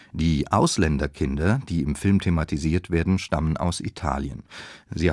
Die Ausländerkinder, die im Film thematisiert werden, stammen aus Italien. Sie